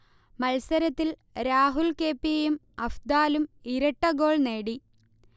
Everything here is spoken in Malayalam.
മത്സരത്തിൽ രാഹുൽ കെ. പി. യും അഫ്ദാലും ഇരട്ടഗോൾ നേടി